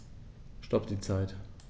Stopp die Zeit